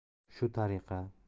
shu tariqa